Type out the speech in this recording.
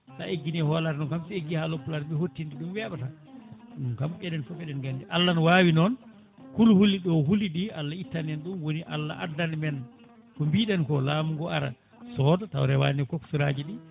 sa egguini hoolare noon kam so eggui haaloɓe pulaar mbi hottinde ɗum weeɓata ɗum kam enen foof eɗen gandi Allah ne wawi noon kulhuli ɗi o huuli ɗi Allah ittane en ɗum Allah addana en ko mbiɗen ko laamu ngu ara sooda tawa rewane coxeur aji ɗi